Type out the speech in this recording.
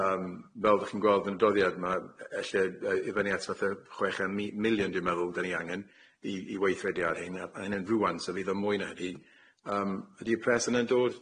Yym fel dach chi'n gweld yn y doddiad ma' e- elle yy i fyny at fatha chweched mi- million dwi'n meddwl dyn ni angen i i weithredu ar hynna a hynna'n rŵan so fydd o mwy na hynny. Yym ydi y pres yna'n dod?